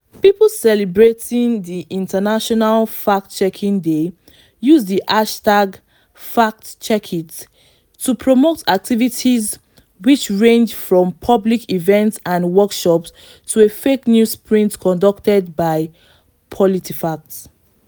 People celebrating the International Fact-Checking Day use the hashtag #FactCheckIt to promote activities which range from public events and workshops to a fake news sprint conducted by PolitiFact.